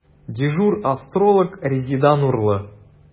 Дежур астролог – Резеда Нурлы.